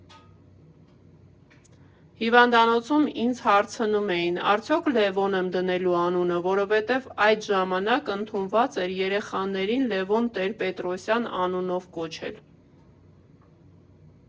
Հիվանդանոցում ինձ հարցնում էին՝ արդյոք Լևոն եմ դնելու անունը, որովհետև այդ ժամանակ ընդունված էր երեխաներին Լևոն Տեր֊Պետրոսյանի անունով կոչել։